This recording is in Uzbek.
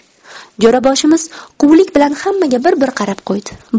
jo'raboshimiz quvlik bilan hammaga bir bir qarab qo'ydi